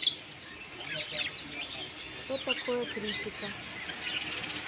что такое критика